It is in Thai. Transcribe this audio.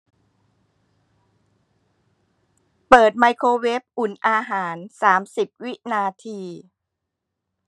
เปิดไมโครเวฟอุ่นอาหารสามสิบวินาที